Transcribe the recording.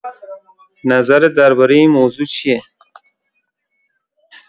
نظرت درباره این موضوع چیه؟